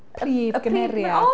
Prif gymeriad.